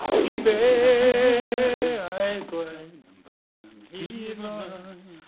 I be, mae gwaed fy mab yn llifo'n oer.